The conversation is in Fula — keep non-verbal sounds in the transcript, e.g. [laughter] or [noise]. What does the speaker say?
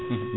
[hesitation] [hesitation]